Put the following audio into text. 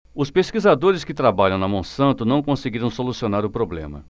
os pesquisadores que trabalham na monsanto não conseguiram solucionar o problema